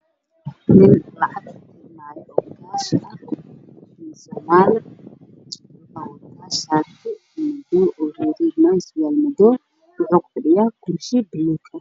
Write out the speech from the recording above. Waa nin lacag hayo oo ku fadhiya kursi bluug